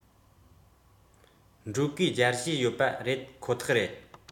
འགྲོ གུས མཇལ ཞུས ཡོད པ རེད ཁོ ཐག རེད